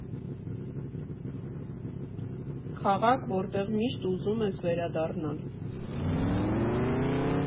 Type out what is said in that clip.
Քաղաք, որտեղ միշտ ուզում ես վերադառնալ։